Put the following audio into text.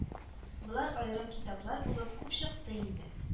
Болар аерым китаплар булып күп чыкты инде